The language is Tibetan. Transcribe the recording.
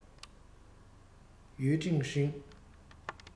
ཡུས ཀྲེང ཧྲེང